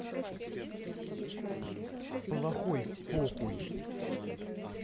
плохой похуй